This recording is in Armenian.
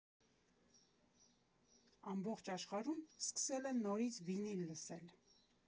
Ամբողջ աշխարհում սկսել են նորից վինիլ լսել։